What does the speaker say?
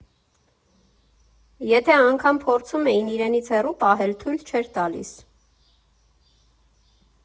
Եթե անգամ փորձում էին իրենից հեռու պահել, թույլ չէր տալիս։